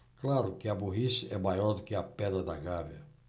claro que a burrice é maior do que a pedra da gávea